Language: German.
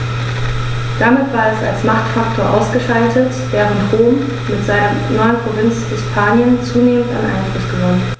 Damit war es als Machtfaktor ausgeschaltet, während Rom mit seiner neuen Provinz Hispanien zunehmend an Einfluss gewann.